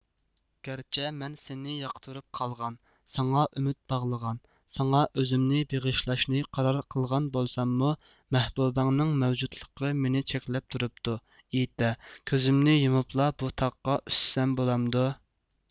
گەرچە مەن سېنى ياقتۇرۇپ قالغان ساڭا ئۈمۈد باغلىغان ساڭا ئۆزۈمنى بېغىشلاشنى قارار قىلغان بولساممۇ مەھبۇبەڭنىڭ مەۋجۇتلۇقى مېنى چەكلەپ تۇرۇپتۇ ئېيتە كۆزۈمنى يۇمۇپلا بۇ تاغقا ئۈسسەم بولامدۇ